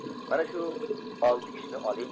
mana shu olti kishini oling